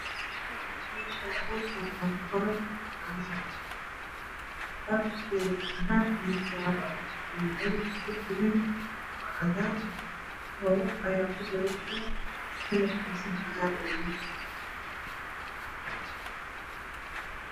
Meeshaani boorkaan waxaa ku qoran kalarkeedu cagaar iyo jaalo uu yahay waa cadaan koobab ayaa ku jiro shaax kalarkiisana cagaar uu yahay